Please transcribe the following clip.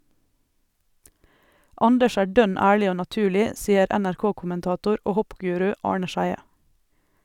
Anders er dønn ærlig og naturlig, sier NRK-kommentator og hoppguru Arne Scheie.